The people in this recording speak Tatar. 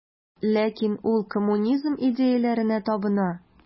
Ләкин ул коммунизм идеяләренә табына.